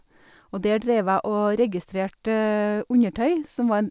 Og der dreiv jeg og registrerte undertøy, som var en...